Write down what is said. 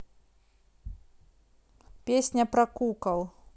песня про кукол